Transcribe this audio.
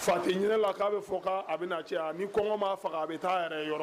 Fati ɲinin la k'a bɛ fɔ a kɔngɔ maa faga a bɛ taa yɛrɛ yɔrɔ